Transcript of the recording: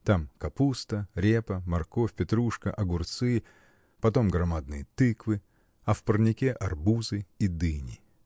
Там капуста, репа, морковь, петрушка, огурцы, потом громадные тыквы, а в парнике арбузы и дыни.